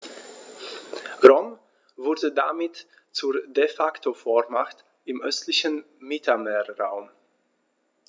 Rom wurde damit zur ‚De-Facto-Vormacht‘ im östlichen Mittelmeerraum.